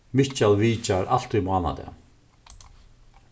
mikkjal vitjar altíð mánadag